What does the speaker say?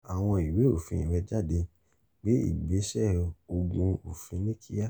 Fa àwọn ìwé òfin rẹ jáde: Gbe ìgbésẹ̀ ogun òfin ní kíá.